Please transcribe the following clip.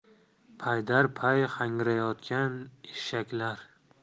paydar pay hangrayotgan eshaklar